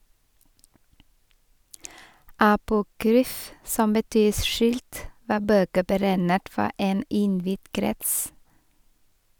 Apokryf , som betyr skjult, var bøker beregnet for en innvidd krets.